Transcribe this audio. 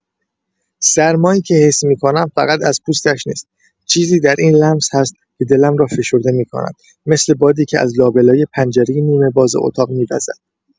سرمایی که حس می‌کنم، فقط از پوستش نیست، چیزی در این لمس هست که دلم را فشرده می‌کند، مثل بادی که از لابه‌لای پنجرۀ نیمه‌باز اتاق می‌وزد.